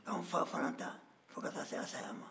ka nfa fana ta fo ka ta'a se a ka saya ma